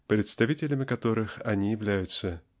представителями которых они являются.